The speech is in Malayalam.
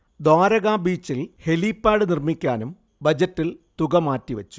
ദ്വാരകാ ബീച്ചിൽ ഹെലിപ്പാഡ് നിർമിക്കാനും ബജറ്റിൽ തുക മാറ്റിവെച്ചു